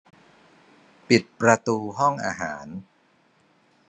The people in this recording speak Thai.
ปิดประตูห้องอาหาร